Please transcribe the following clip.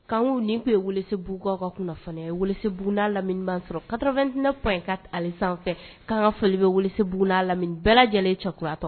Kan nin tun ye wuli b buu ka fana ye bugu lam sɔrɔ kata2tina fɔ ye ka ali' kan ka foli bɛ wuli b lam bɛɛ lajɛlenlen cayatɔ